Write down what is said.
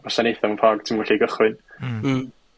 gwasanaetha mewn ffor ti'm yn wmbo lle i gychwyn. Hmm. Hmm.